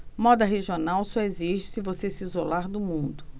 moda regional só existe se você se isolar do mundo